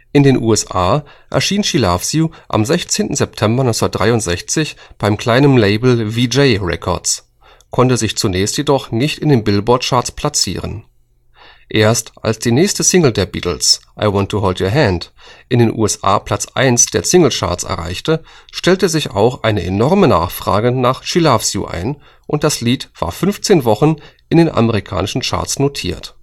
In den USA erschien She Loves You am 16. September 1963 beim kleinen Label Vee-Jay Records, konnte sich zunächst jedoch nicht in den Billboard-Charts platzieren. Erst als die nächste Single der Beatles (I Want to Hold Your Hand) in den USA Platz eins der Single-Charts erreichte, stellte sich auch eine enorme Nachfrage nach She Loves You ein und das Lied war 15 Wochen in den amerikanischen Charts notiert